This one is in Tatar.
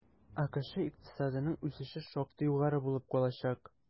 АКШ икътисадының үсеше шактый югары булып калачак.